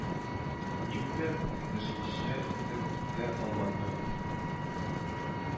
Никтер, эндәшмичә үтеп китә алмадым